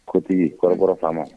Kotigi kɔrɔkɔrɔ fa ma